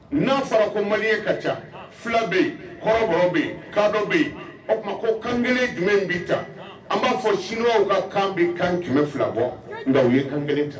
N'a fɔra ko mali ye ka ca fila bɛ yen hɔrɔnbaw bɛ yen kadɔ bɛ yen o ko kan kelen jumɛn bɛ c an b'a fɔ sunw ka kan bɛ kan jumɛn fila bɔ nka u ye kan kelen ta